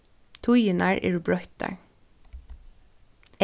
tíðirnar eru broyttar